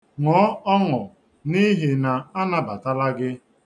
Ṅụọ ọnụ n'ihi na anabatala gi.